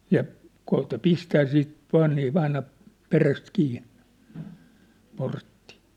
ja koeta pistää sitten todenkin aina perästä kiinni portti